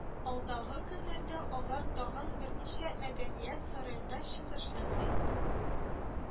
Алдагы көннәрдә алар тагын берничә мәдәният сараенда чыгыш ясый